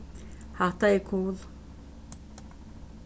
hetta er kul